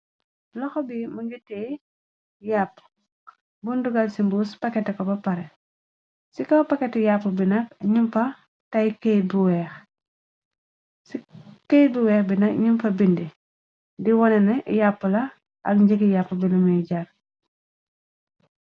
loxo bi mu ngite yàpp bu ndugal ci mbuus paketé ko ba pare ci kaw paketi yàpp bi nag numfax tyci keyt bu weex bi nag nim fa bindi di wone na yàpp la ak njëgi yàpp bilumuy jar